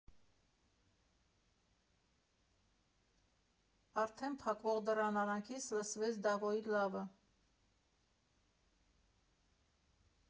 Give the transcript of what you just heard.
Արդեն փակվող դռան արանքից լսվեց Դավոյի «լա՜վ»֊ը։